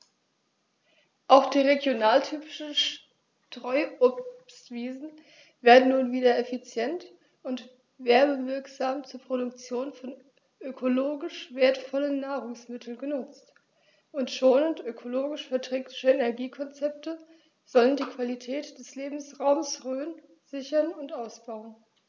Auch die regionaltypischen Streuobstwiesen werden nun wieder effizient und werbewirksam zur Produktion von ökologisch wertvollen Nahrungsmitteln genutzt, und schonende, ökologisch verträgliche Energiekonzepte sollen die Qualität des Lebensraumes Rhön sichern und ausbauen.